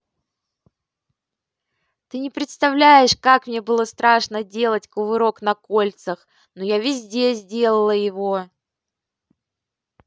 ты не представляешь как мне было страшно делать кувырок на кольцах но я везде сделала его